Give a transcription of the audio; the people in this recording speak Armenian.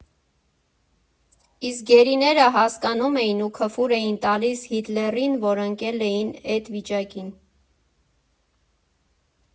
Իսկ գերիները հասկանում էին ու քֆուր էին տալիս Հիտլերին, որ ընկել էն էդ վիճակին։